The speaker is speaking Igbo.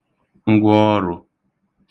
ngwaọrụ̄